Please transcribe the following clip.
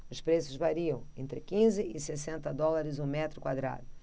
os preços variam entre quinze e sessenta dólares o metro quadrado